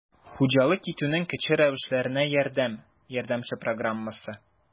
«хуҗалык итүнең кече рәвешләренә ярдәм» ярдәмче программасы